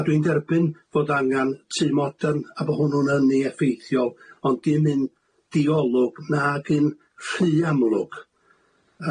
A dwi'n derbyn fod angan tŷ modern a bo' hwnnw'n ynni effeithiol ond dim un di-olwg nag yn rhy amlwg.